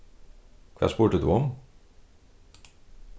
hvat spurdi tú um